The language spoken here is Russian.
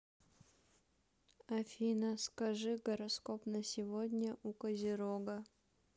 афина скажи гороскоп на сегодня у козерога